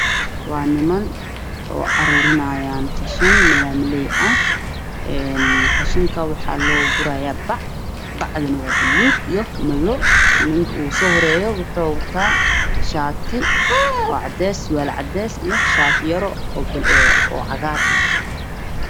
Waa niman oo aruurinayo qashin oo malaamiley ah. Qashinka waxaa lugu gurahayaa bac buluug ah iyo madow. Ninka ugu soo horeeyo waxuu wataa shaati cadeys iyo surwaal cadeys iyo shaati yar oo cagaar ah.